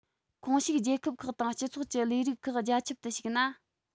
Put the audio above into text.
ཁོངས ཞུགས རྒྱལ ཁབ ཁག དང སྤྱི ཚོགས ཀྱི ལས རིགས ཁག རྒྱ ཁྱབ ཏུ ཞུགས ན